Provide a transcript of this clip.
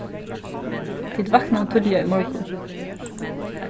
tit vaknaðu tíðliga í morgun